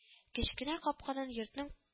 Кечкенә капкадан йортның